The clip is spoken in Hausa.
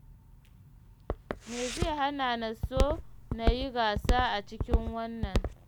Me zai hana na so na yi gasa a cikin wannan?”